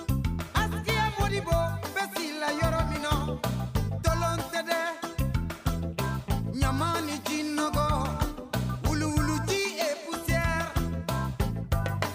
A mobo bɛ la yɔrɔ min tulonsɛ ɲa ni ciɔgɔbɔ wulu wuluti yese